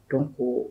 Don ko